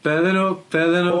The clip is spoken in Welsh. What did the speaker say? Be' o'dd enw be' o'dd enw...